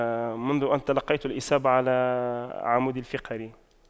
منذ ان تلقيت الإصابة على عمودي الفقري